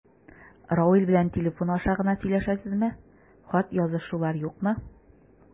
Равил белән телефон аша гына сөйләшәсезме, хат язышулар юкмы?